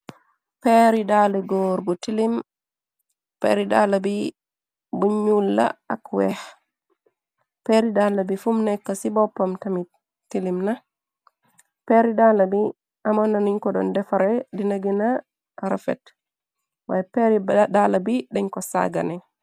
peeri daala góor bu tilim peeri dala bi bu ñulla ak weex peeri dalla bi fum nekk ci boppam tamit tilim na peeri dalla bi amon na nuñ ko doon defare dina gina rafet waye peeri dala bi dañ ko saggane